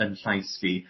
yn llais fi